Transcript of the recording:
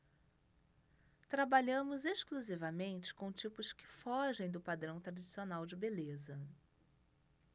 trabalhamos exclusivamente com tipos que fogem do padrão tradicional de beleza